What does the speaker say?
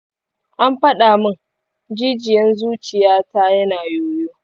an faɗa min jijiyan zuciya ta na yoyo.